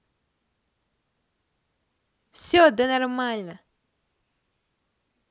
все да нормально